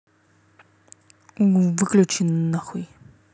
у выключи на хуй